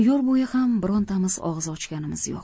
yo'l bo'yi ham birontamiz og'iz ochganimiz yo'q